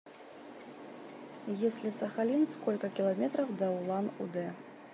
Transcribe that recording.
если сахалин сколько километров до улан удэ